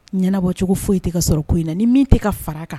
Ɲɛnabɔ cogo foyi i tɛ ka sɔrɔ ko in na ni min tɛ ka fara kan